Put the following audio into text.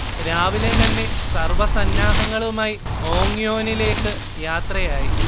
രാവിലെ തന്നെ സർവ സന്നാഹങ്ങളുമായി ഓങ്യോനിലേക്ക് യാത്രയായി